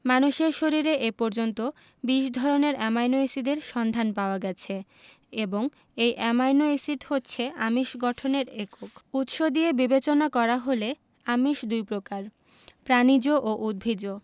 মানুষের শরীরে এ পর্যন্ত ২০ ধরনের অ্যামাইনো এসিডের সন্ধান পাওয়া গেছে এবং এই অ্যামাইনো এসিড হচ্ছে আমিষ গঠনের একক উৎস দিয়ে বিবেচনা করা হলে আমিষ দুই প্রকার প্রাণিজ ও উদ্ভিজ্জ